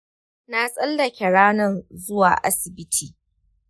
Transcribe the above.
na tsallake ranan zuwa asibiti.